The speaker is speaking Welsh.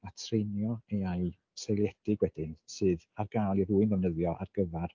A treinio AI seiliedig wedyn sydd ar gael i rywun ddefnyddio ar gyfer